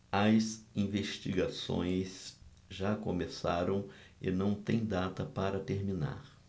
as investigações já começaram e não têm data para terminar